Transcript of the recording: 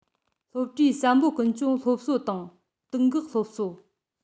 སློབ གྲྭའི བསམ བློ ཀུན སྤྱོད སློབ གསོ དང དང དུག འགོག སློབ གསོ